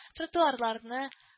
Тротуарларны